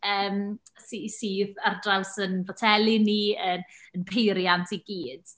Yym sy sydd ar draws ein boteli ni, ein ein peiriant i gyd.